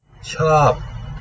ชอบ